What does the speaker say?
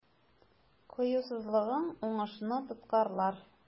Кыюсызлыгың уңышны тоткарлар.